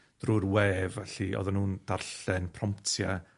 drw'r we felly oddan nw'n darllen promptia